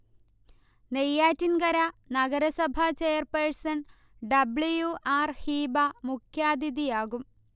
നെയ്യാറ്റിൻകര നഗരസഭ chairperson W. R. Heeba മുഖ്യാതിഥിയാകും